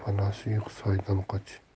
panasi yo'q soydan qoch